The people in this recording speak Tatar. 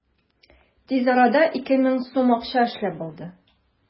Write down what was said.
Тиз арада 2000 сум акча эшләп алды.